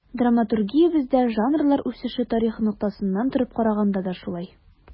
Драматургиябездә жанрлар үсеше тарихы ноктасынан торып караганда да шулай.